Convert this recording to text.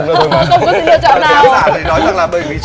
nữa thôi mà bởi vì